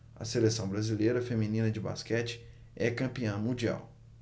a seleção brasileira feminina de basquete é campeã mundial